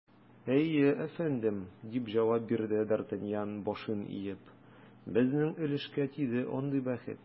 Әйе, әфәндем, - дип җавап бирде д’Артаньян, башын иеп, - безнең өлешкә тиде андый бәхет.